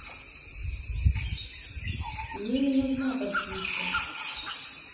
мне не нужна подписка